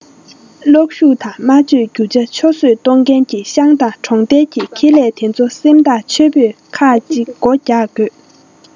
གློག ཤུགས དང མ བཅོས རྒྱུ ཆ ཆོད ཟོས གཏོང མཁན གྱི ཤང དང གྲོང རྡལ གྱི ཁེ ལས དེ ཚོ སེམས ཐག ཆོད པོས ཁག གཅིག སྒོ རྒྱག དགོས